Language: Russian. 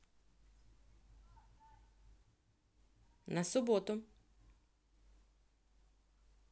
на субботу